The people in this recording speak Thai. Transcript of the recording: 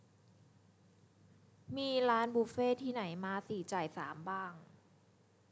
มีร้านบุฟเฟต์ที่ไหนมาสี่จ่ายสามบ้าง